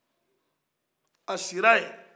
a sira ye